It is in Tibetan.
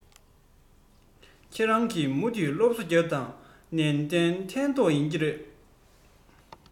ཁྱེད རང གིས མུ མཐུད སློབ གསོ རྒྱོབས དང གཏན གཏན ཕན ཐོགས ཀྱི རེད